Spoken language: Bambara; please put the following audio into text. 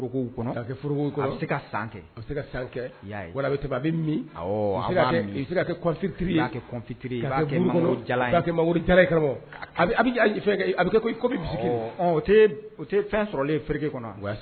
Bɛ se kɛ bɛ fɛn sɔrɔlen kɔnɔ